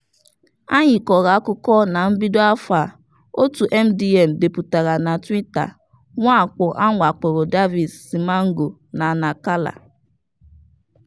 Anyị kọrọ akụkọ na mbido afọ a, otu MDM depụtara na twita mwakpo a wakporo Daviz Simango na Nacala.